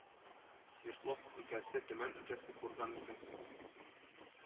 Свердловск өлкәсе, Төмән өлкәсе, Курган өлкәсе